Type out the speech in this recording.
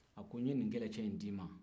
a ko n ye nin kɛlɛcɛ in d'i ma